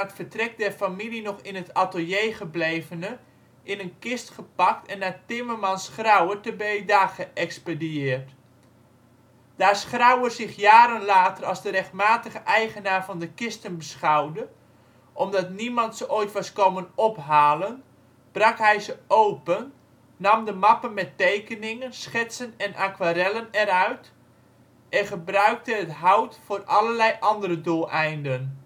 vertrek der familie nog in het atelier geblevene, in een kist gepakt en naar timmerman Schrauer te Breda geëxpedieerd. " Daar Schrauer zich jaren later als de rechtmatige eigenaar van de kisten beschouwde omdat niemand ze ooit was komen ophalen, brak hij ze open, nam de mappen met tekeningen, schetsen en aquarellen eruit, en gebruikte het hout voor allerlei andere doeleinden